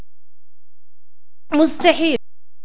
مستحيل